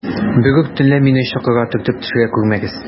Берүк төнлә мине чокырга төртеп төшерә күрмәгез.